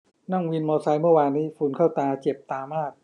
นั่งวินมอไซต์เมื่อวานนี้ฝุ่นเข้าตาเจ็บตามาก